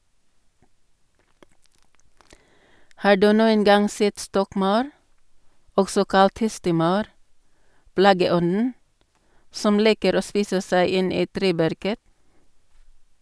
Har du noen gang sett stokkmaur, også kalt hestemaur, plageånden som liker å spise seg inn i treverket?